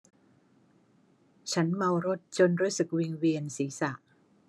ฉันเมารถจนรู้สึกวิงเวียนศีรษะ